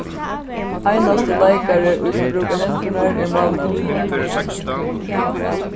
einasti leikari ið kann brúka hendurnar er málmaðurin